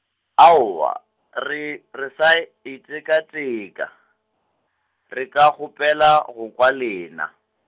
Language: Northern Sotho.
aowa, re, re sa itekateka, re ka kgopela go kwa lena.